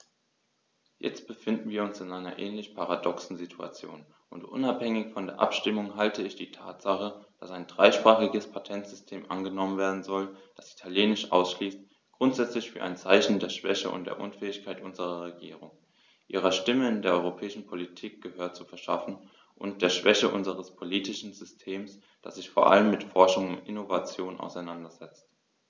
Jetzt befinden wir uns in einer ähnlich paradoxen Situation, und unabhängig von der Abstimmung halte ich die Tatsache, dass ein dreisprachiges Patentsystem angenommen werden soll, das Italienisch ausschließt, grundsätzlich für ein Zeichen der Schwäche und der Unfähigkeit unserer Regierung, ihrer Stimme in der europäischen Politik Gehör zu verschaffen, und der Schwäche unseres politischen Systems, das sich vor allem mit Forschung und Innovation auseinandersetzt.